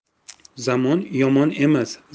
zamon yomon emas